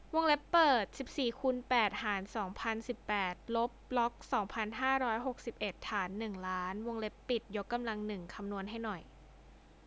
วงเล็บเปิดสิบสี่คูณแปดหารสองพันสิบแปดลบล็อกสองพันห้าร้อยหกสิบเอ็ดฐานหนึ่งล้านวงเล็บปิดยกกำลังหนึ่งคำนวณให้หน่อย